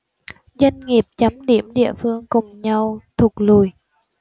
doanh nghiệp chấm điểm địa phương cùng nhau thụt lùi